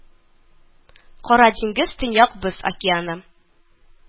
Кара диңгез Төньяк Боз океаны